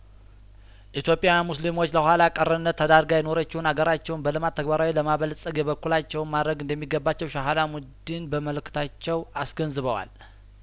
ኢትዮጵያዊያን ሙስሊሞች ለኋላ ቀርነት ተዳርጋ የኖረች አገራቸውን በልማት ተግባራዊ ለማበልጸግ የበኩላቸውን ማድረግ እንደሚገባቸው ሼህ አላሙዲን በመልእክታቸው አስገንዝበዋል